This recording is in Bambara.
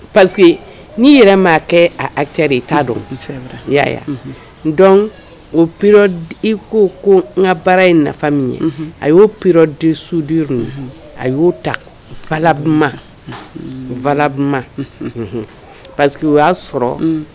Pa que n'i yɛrɛ kɛ kɛ t'a dɔn o p i ko ko n ka baara ye nafa min ye a y'o p di sudi a y'o talabulabu pa o y'a sɔrɔ